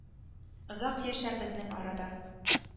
Озак яшә безнең арада